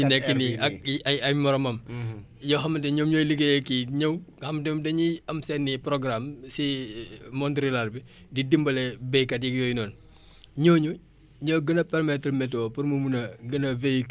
yoo xamante ne ñoom ñooy liggéeyee kii ñëw nga xam donc dañuy am seen i programme si monde rural bi di dimbale béykat yooyu noonu ñooñu ñoo gën a permettre météo pour mu mun a gën a véhiculer wu kii bi information bi